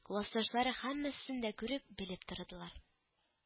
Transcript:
Классташлары һәммәсен дә күреп, белеп тордылар